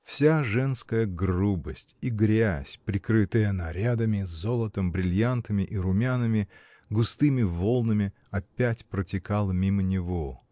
Вся женская грубость и грязь, прикрытая нарядами, золотом, брильянтами и румянами, густыми волнами опять протекла мимо его.